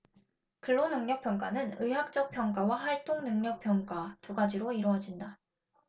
근로능력평가는 의학적 평가와 활동능력 평가 두 가지로 이뤄진다